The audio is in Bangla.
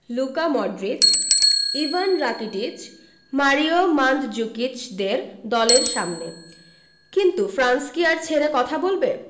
Luka Modric Ivan Rakitic Mario মানজুকিচদের দলের সামনে কিন্তু ফ্রান্স কি আর ছেড়ে কথা বলবে